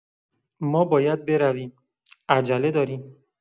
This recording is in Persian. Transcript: ما باید برویم، عجله داریم.